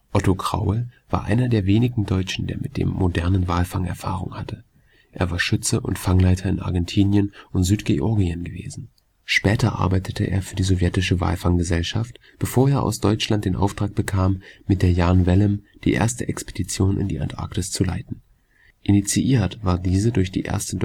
Otto Kraul war einer der wenigen Deutschen, der mit dem modernen Walfang Erfahrung hatte. Er war Schütze und Fangleiter in Argentinien und auf Südgeorgien gewesen. Später arbeitete er für eine sowjetische Walfanggesellschaft, bevor er aus Deutschland den Auftrag bekam, mit der „ Jan Wellem “die erste Expedition in die Antarktis zu leiten. Initiiert war diese durch die Erste